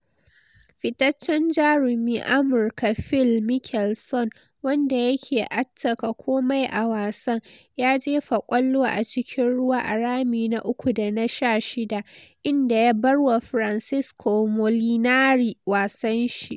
Fitaccen jarumi Amurka Phil Mickelson, wanda ya ke attaka komai a wasan, ya jefa kwallo a cikin ruwa a rami na 3 da na 16, inda ya barwa Francesco Molinari wasan shi.